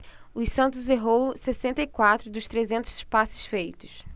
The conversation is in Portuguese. o santos errou sessenta e quatro dos trezentos passes feitos